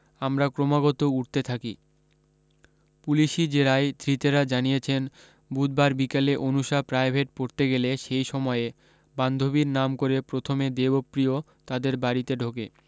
আমরা ক্রমাগত উঠতে থাকি পুলিশি জেরায় ধৃতেরা জানিয়েছেন বুধবার বিকেলে অনুষা প্রাইভেট পড়তে গেলে সেই সময়ে বান্ধবীর নাম করে প্রথমে দেবপ্রিয় তাদের বাড়ীতে ঢোকে